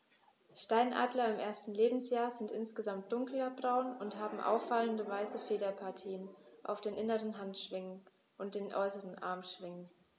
Steinadler im ersten Lebensjahr sind insgesamt dunkler braun und haben auffallende, weiße Federpartien auf den inneren Handschwingen und den äußeren Armschwingen.